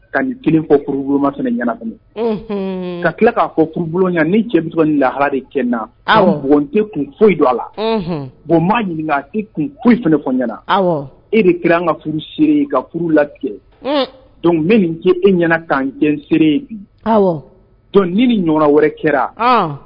Ka kelen fɔ boloma fana ɲɛna ka tila k'a fɔ furubulon ɲɛna ni cɛ lahara de cɛ na aw bon tɛ kun foyi don a la bon maa ɲininka e kun foyi fana fɔ ɲɛna e de kɛra an ka furu siriere ka furu latigɛ dɔnku bɛ nin kɛ e ɲɛna k'an kɛsec ni ni ɲɔgɔn wɛrɛ kɛra